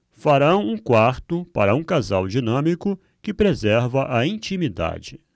farão um quarto para um casal dinâmico que preserva a intimidade